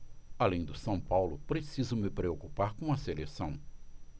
além do são paulo preciso me preocupar com a seleção